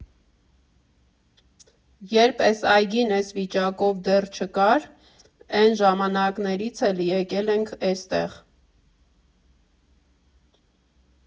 Երբ էս այգին էս վիճակով դեռ չկար, էն ժամանակներից էլ եկել ենք էստեղ։